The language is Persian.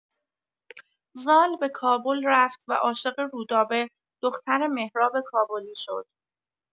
زال به کابل رفت و عاشق رودابه، دختر مهراب کابلی، شد.